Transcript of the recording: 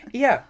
Ia.